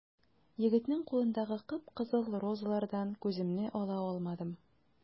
Егетнең кулындагы кып-кызыл розалардан күземне ала алмадым.